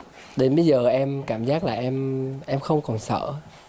đến bây giờ em cảm giác là em em không còn sở